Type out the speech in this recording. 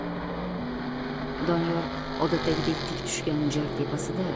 doniyor odatdagidek tik tushgan jar tepasida